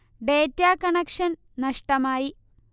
data connection നഷ്ടമായി